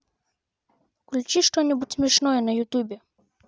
включи что нибудь смешное на ютубе